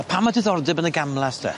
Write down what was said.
A pam y diddordeb yn y gamlas de?